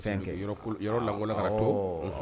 fɛn kɛ yɔrɔ lankolon kana to, awɔ